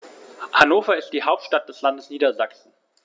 Hannover ist die Hauptstadt des Landes Niedersachsen.